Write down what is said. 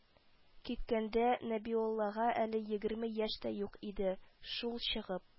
Киткәндә, нәбиуллага әле егерме яшь тә юк иде, шул чыгып